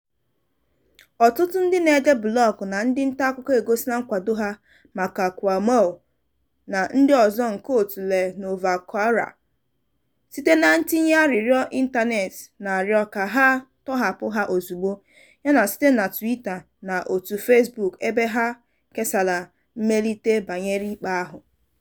Ọtụtụ ndị na-ede blọọgụ na ndị ntaakụkọ egosila nkwado ha maka Kouamouo na ndị ọzọ nke òtù Le Nouveau Courrier site na ntinye arịrịọ ịntaneetị na-arịọ ka ha tọhapụ ha ozugbo, yana site na Twitter na òtù Facebook ebe ha kesara mmelite banyere ikpe ahụ.